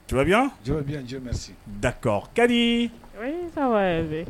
Tubi dakɔ kari